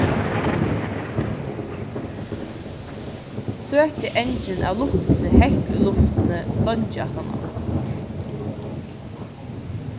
søti angin av luktilsi hekk í luftini leingi aftaná